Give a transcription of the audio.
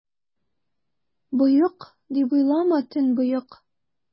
Боек, дип уйлама, төнбоек!